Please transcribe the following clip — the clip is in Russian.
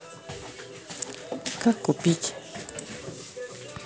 как купить